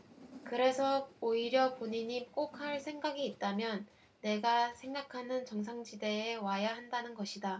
그래서 오히려 본인이 꼭 할 생각이 있다면 내가 생각하는 정상지대에 와야 한다는 것이다